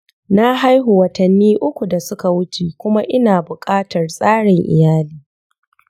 na haihu watanni uku da suka wuce kuma ina buƙatar tsarin iyali.